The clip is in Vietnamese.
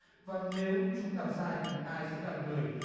và nếu chúng làm sai thì ai sẽ là người